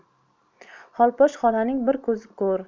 xolposh xolaning bir ko'zi ko'r